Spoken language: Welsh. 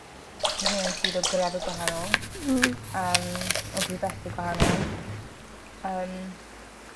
rhywun sydd o grefydd gwahanol. Hmm. Yym o grŵp ethnig gwahanol. Yym.